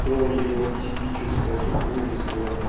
то его мистическое супружество